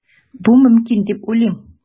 Бу мөмкин дип уйлыйм.